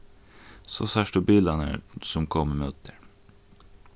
so sært tú bilarnar sum koma ímóti tær